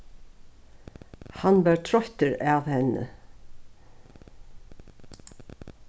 hann var troyttur av henni